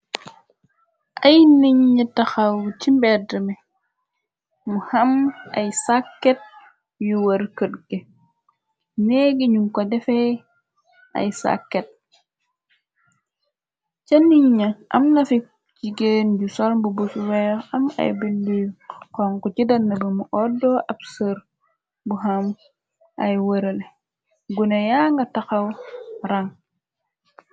Ay nit ñyu taxaw ci mbeddmi, mu xam ay sàket yu wër kët gi , neegi ñu ko defe ay sàket. Ca niñ ña am nafi ci jigéen ju sol mbubu bu weex am ay billuyu xonxo ci dann bamu oddo ab sër bu ham ay wërale, guna yaa nga taxaw rang.